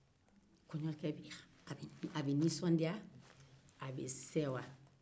kɔɲɔkɛ bɛ nisɔndiya a bɛ sewa